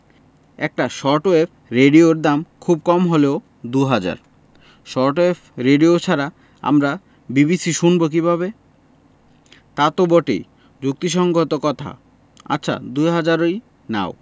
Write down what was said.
একটা short wave রেডিওর দাম খুব কম হলেও দু হাজার শর্ট ওয়েভ রেডিও ছাড়া আমরা বিবিসি শুনব কিভাবে তা তো বটেই যুক্তিসংগত কথা আচ্ছা দু হাজারই নাও